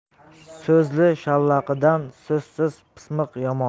so'zli shallaqidan so'zsiz pismiq yomon